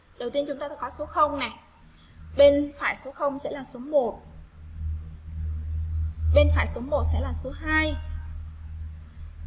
đầu tiên chúng ta được số là bên phải cũng không phải là số điện thoại của em là số